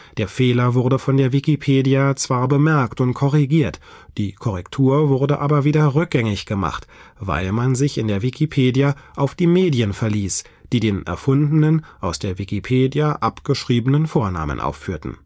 Der Fehler wurde von der Wikipedia zwar bemerkt und korrigiert, die Korrektur wurde aber wieder rückgängig gemacht, weil man sich in der Wikipedia auf die Medien verließ, die den erfundenen, aus der Wikipedia abgeschriebenen Vornamen aufführten